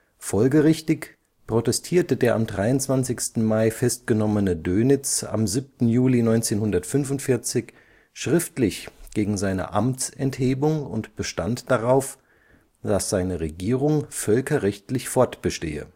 Folgerichtig protestierte der am 23. Mai festgenommene Dönitz am 7. Juli 1945 schriftlich gegen seine Amtsenthebung und bestand darauf, dass seine Regierung völkerrechtlich fortbestehe